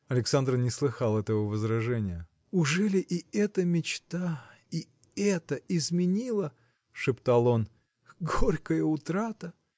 Александр не слыхал этого возражения. – Ужели и это мечта?. и это изменило?. – шептал он. – Горькая утрата!